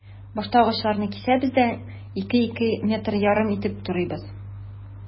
Башта агачларны кисәбез дә, 2-2,5 метр итеп турыйбыз.